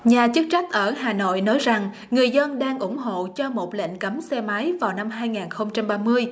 nhà chức trách ở hà nội nói rằng người dân đang ủng hộ cho một lệnh cấm xe máy vào năm hai ngàn không trăm ba mươi